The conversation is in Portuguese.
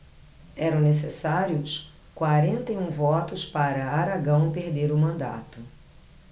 eram necessários quarenta e um votos para aragão perder o mandato